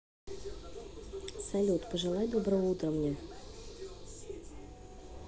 салют пожелай доброго утра мне